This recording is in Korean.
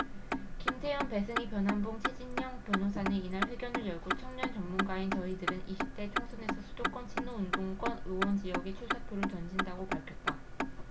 김태현 배승희 변환봉 최진녕 변호사는 이날 회견을 열고 청년 전문가인 저희들은 이십 대 총선에서 수도권 친노 운동권 의원 지역에 출사표를 던진다고 밝혔다